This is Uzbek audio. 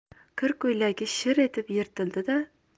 kir ko'ylagi shir etib yirtildi da